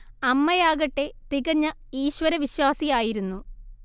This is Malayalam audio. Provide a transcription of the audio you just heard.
അമ്മയാകട്ടെ തികഞ്ഞ ഈശ്വരവിശ്വാസിയായിരുന്നു